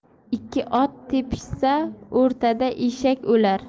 ikki ot tepishsa o'rtada eshak o'lar